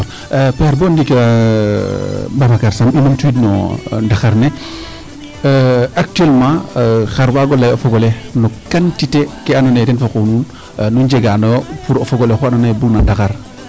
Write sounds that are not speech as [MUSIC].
D' accord père bo ndiik Babacar Sagne i numtuwiid no ndaxar ne [HESITATION] actuellement xar waago lay o fog ole no quantité ke andoona yee ten fo xooxum nu njeganooyo pour o fog ole andoona yee bug na ndaxar ne?